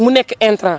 mu nekk intrant